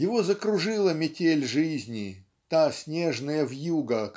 Его закружила метель жизни та снежная вьюга